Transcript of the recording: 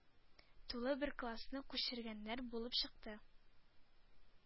Тулы бер классны күчергәннәр булып чыкты.